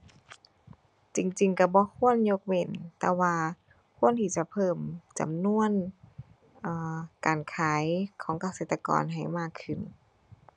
จริงจริงก็บ่ควรยกเว้น แต่ว่าควรที่จะเพิ่มจำนวน อ่า การขายของเกษตรกรให้มากขึ้น